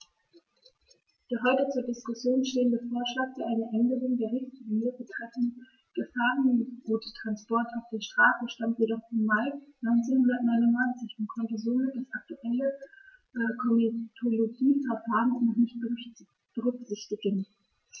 Der heute zur Diskussion stehende Vorschlag für eine Änderung der Richtlinie betreffend Gefahrguttransporte auf der Straße stammt jedoch vom Mai 1999 und konnte somit das aktuelle Komitologieverfahren noch nicht berücksichtigen.